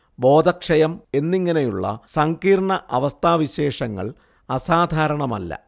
ബോധക്ഷയം എന്നിങ്ങനെയുള്ള സങ്കീർണ്ണ അവസ്ഥാവിശേഷങ്ങൾ അസാധാരണമല്ല